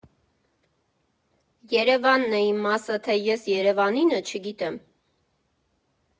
Երևանն է իմ մասը, թե ես Երևանինը՝ չգիտեմ։